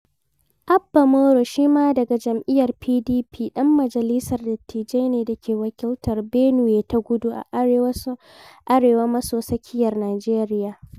Abba Moro shi ma daga jam'iyyar PDP ɗan majalisar dattijai ne da ke wakiltar Benue ta Kudu a Arewa maso tsakiyar Nijeriya.